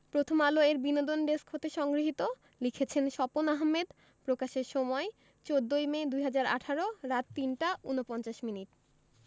প্রথমআলো এর বিনোদন ডেস্ক হতে সংগৃহীত লিখেছেনঃ স্বপন আহমেদ প্রকাশের সময় ১৪মে ২০১৮ রাত ৩টা ৪৯ মিনিট